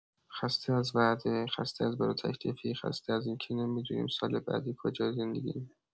خسته از وعده، خسته از بلاتکلیفی، خسته از این که نمی‌دونیم سال بعد کجای زندگی‌ایم.